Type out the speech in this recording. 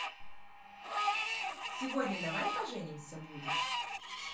сегодня давай поженимся будет